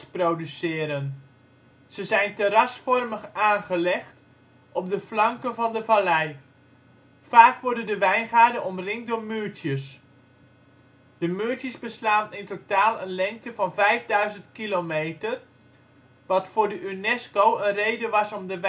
produceren. Ze zijn terrasvormig aangelegd op de flanken van de vallei. Vaak worden de wijngaarden omringd door muurtjes. De muurtjes beslaan in totaal een lengte van 5000 kilometer, wat voor de UNESCO een reden was om de